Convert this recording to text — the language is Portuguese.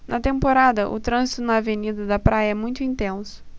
na temporada o trânsito na avenida da praia é muito intenso